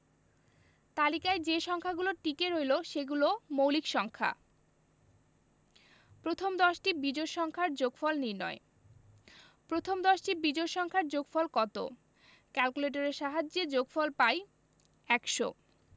তালিকায় যে সংখ্যাগুলো টিকে রইল সেগুলো মৌলিক সংখ্যা প্রথম দশটি বিজোড় সংখ্যার যোগফল নির্ণয় প্রথম দশটি বিজোড় সংখ্যার যোগফল কত ক্যালকুলেটরের সাহায্যে যোগফল পাই ১০০